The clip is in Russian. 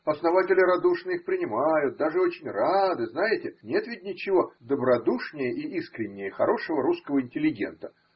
Основатели радушно их принимают, даже очень рады – знаете, нет ведь ничего добродушнее и искреннее хорошего русского интеллигента